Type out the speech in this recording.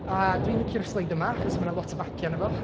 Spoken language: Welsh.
a dwi'n licio'r sleid yma, achos ma' 'na lot o fapiau arno fo.